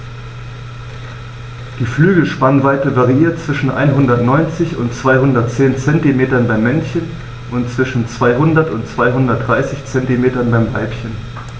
Die Flügelspannweite variiert zwischen 190 und 210 cm beim Männchen und zwischen 200 und 230 cm beim Weibchen.